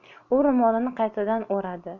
u ro'molini qaytadan o'radi